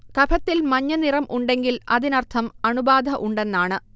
കഫത്തിൽ മഞ്ഞനിറം ഉണ്ടെങ്കിൽ അതിനർഥം അണുബാധ ഉണ്ടെന്നാണ്